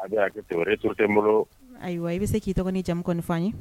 Ayiuru tɛ n bolo ayiwa i bɛ se k'i tɔgɔ ni cɛ kɔni ye